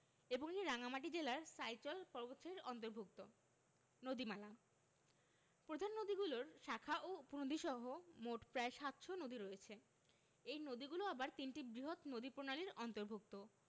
এবং এটি রাঙ্গামাটি জেলার সাইচল পর্বতসারির অন্তর্ভূক্ত নদীমালাঃ প্রধান নদীগুলোর শাখা ও উপনদীসহ মোট প্রায় ৭০০ নদী রয়েছে এই নদীগুলো আবার তিনটি বৃহৎ নদীপ্রণালীর অন্তর্ভুক্ত